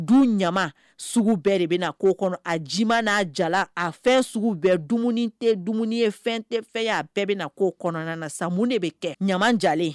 Du ɲaman, sugu bɛɛ de bɛna k'o kɔnɔ a jima n'a jalan, a fɛn sugu bɛɛ dumuni tɛ dumuni ye fɛn tɛ fɛn ye a bɛɛ bɛna k'o kɔnɔna na sa mun de bɛna kɛ ɲaman jalen